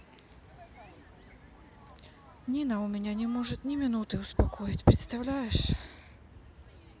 нина у меня не может ни минуты успокоить представляешь